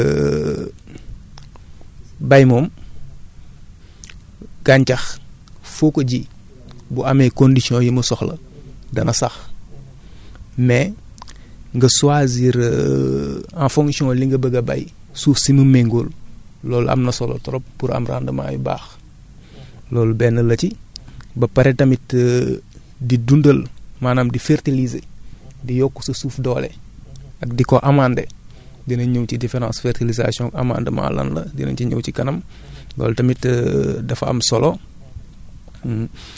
dëgg la bay moom gàncax foo ko ji bu amee condition yu mu soxla dana sax mais nga choisir en fonction li nga bay suuf si mu méngool loolu am na solo trop pour am rendements yu baax loolu benn la ci ba pare tamit di dundal maanaam di fertiliser di yokk sa suuf doole ak di ko amander dinañ ñëw ci différence fertilisation amandement lan la dinañ ci ñëw ci kanam loolu tamit dafa am solo